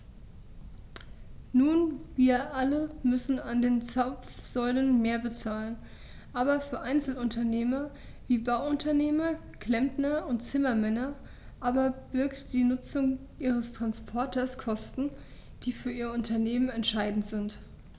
Nun wir alle müssen an den Zapfsäulen mehr bezahlen, aber für Einzelunternehmer wie Bauunternehmer, Klempner und Zimmermänner aber birgt die Nutzung ihres Transporters Kosten, die für ihr Unternehmen entscheidend sind.